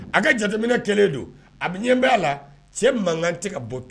A ka jateminɛ kɛlɛ don a bɛ ɲɛ bɛ a la cɛ mankan kan tɛ ka bɔ ten